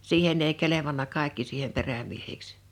siihen ei kelvannut kaikki siihen perämiehiksi